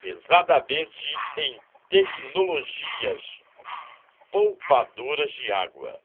pesadamente em tecnologias poupadoras de água